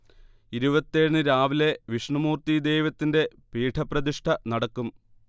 ഇരുപത്തി ഏഴ് -ന് രാവിലെ വിഷ്ണുമൂർത്തി ദൈവത്തിന്റെ പീഠപ്രതിഷ്ഠ നടക്കും